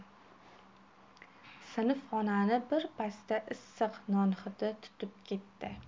sinfxonani birpasda issiq non hidi tutib ketdi